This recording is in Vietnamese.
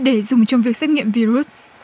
để dùng trong việc xét nghiệm vi rút